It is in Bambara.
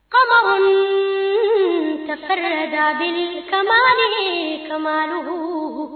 Kamalensonin tɛsɛ ja kamalen kadugu